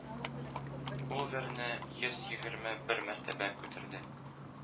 Ул герне йөз егерме бер мәртәбә күтәрде.